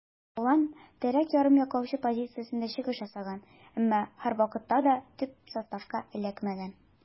Ялланн терәк ярым яклаучы позициясендә чыгыш ясаган, әмма һәрвакытта да төп составка эләкмәгән.